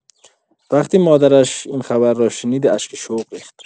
وقتی مادرش این خبر را شنید، اشک شوق ریخت.